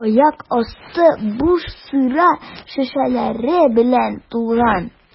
Аяк асты буш сыра шешәләре белән тулган.